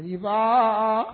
Nba